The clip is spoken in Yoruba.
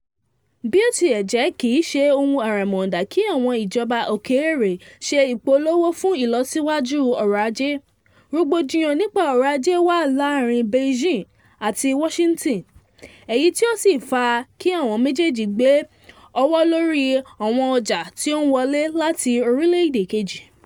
Bí ó tilẹ̀ jẹ́ kìí ṣe ohun àràmọ̀ndà kí àwọn ìjọba òkèèrè ṣe ìpolówó fún ìlọsíwájú ọrọ̀ ajé, rògbòdìyàn nípa ọrọ̀ ajé wà láàrin Beijing ati Washington, èyí tí ó sì fà á kí àwọn méjèèjì gbé owó lórí àwọn ọjà tí ó ń wọlé láti orílẹ̀èdè kejì.